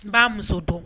N b'a muso dɔn